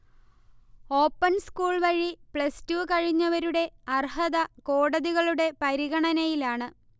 open സ്കൂൾവഴി plus two കഴിഞ്ഞവരുടെ അർഹത കോടതികളുടെ പരിഗണനയിലാണ്